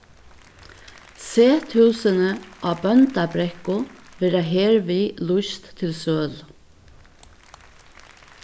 sethúsini á bóndabrekku verða hervið lýst til sølu